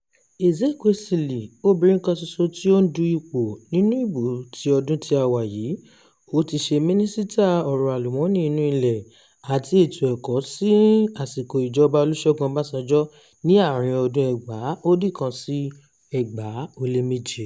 Ezekwesili, obìnrin kan ṣoṣo tí ó ń du ipò nínú ìbò ti ọdún tí a wà yìí, ó ti ṣe mínísítà ọrọ̀ àlùmọ́nì inú-ilẹ̀ àti ètò ẹ̀kọ́ ní àsìkò ìjọba Olusegun Obasanjo ní àárín ọdún 1999 sí 2007.